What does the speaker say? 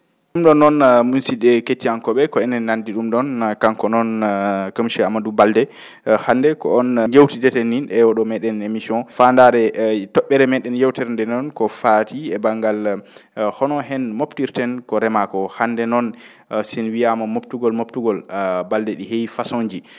?um ?oon noon musid?e kettiyankoo?e ko enen nanndi ?um ?on kanko noon ko monsieur Aamadu Baldé hannde ko oon njewtideren nin e o?o mee?en émission faandaare e to??ere mee?en yewtere ndee noon ko fati e banngal honoo hen moftirten ko remaa koo hannde noon si en wiyaama moftugol moftugol Baldé ?i heewi façon ji